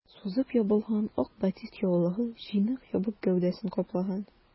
Сузып ябылган ак батист яулыгы җыйнак ябык гәүдәсен каплаган.